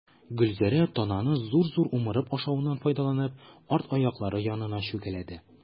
Гөлзәрә, тананың зур-зур умырып ашавыннан файдаланып, арт аяклары янына чүгәләде.